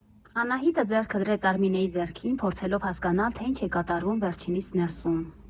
Անահիտը ձեռքը դրեց Արմենի ձեռքին, փորձելով հասկանալ, թե ինչ է կատարվում վերջինիս ներսում։